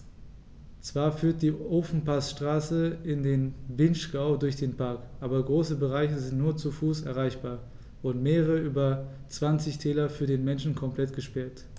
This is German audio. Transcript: Zwar führt die Ofenpassstraße in den Vinschgau durch den Park, aber große Bereiche sind nur zu Fuß erreichbar und mehrere der über 20 Täler für den Menschen komplett gesperrt.